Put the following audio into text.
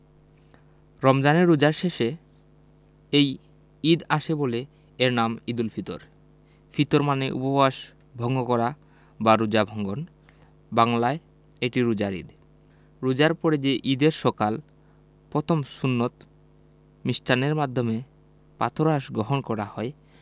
রমজানের রোজার শেষে এই ঈদ আসে বলে এর নাম ঈদুল ফিতর ফিতর মানে উপবাস ভঙ্গ করা বা রোজা ভঙ্গন বাংলায় এটি রোজার ঈদ রোজার পরে যে ঈদের সকাল প্রথম সুন্নত মিষ্টান্নের মাধ্যমে পাতরাশ গহণ করা হয়